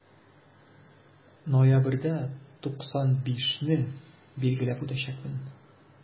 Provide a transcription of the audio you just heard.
Ноябрьдә 95 не билгеләп үтәчәкмен.